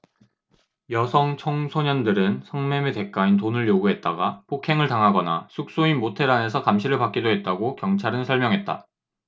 여성 청소년들은 성매매 대가인 돈을 요구했다가 폭행을 당하거나 숙소인 모텔 안에서 감시를 받기도 했다고 경찰은 설명했다